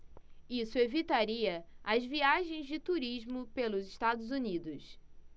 isso evitaria as viagens de turismo pelos estados unidos